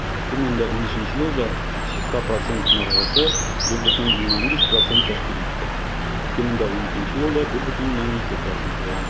2013 елда чиста процент маржасы 4,5 % тәшкил итте, 2012 елда ул 4,2 % булган.